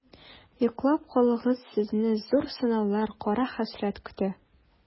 Йоклап калыгыз, сезне зур сынаулар, кара хәсрәт көтә.